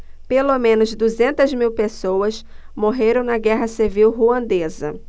pelo menos duzentas mil pessoas morreram na guerra civil ruandesa